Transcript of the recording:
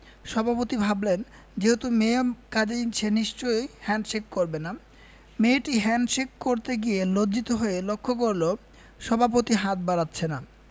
সভাপতি ভাবলেন যেহেতু মেয়ে কাজেই সে নিশ্চয়ই হ্যাণ্ডশেক করবে না মেয়েটি হ্যাণ্ডশেক করতে গিয়ে লজ্জিত হয়ে লক্ষ্য করল সভাপতি হাত বাড়াচ্ছে না